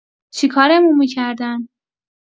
چیکارمون می‌کردن؟